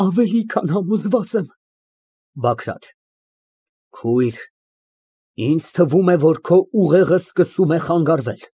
Ավելի քան համոզված եմ։ ԲԱԳՐԱՏ ֊ Քույր, ինձ թվում է, որ քո ուղեղը սկսում է խանգարվել։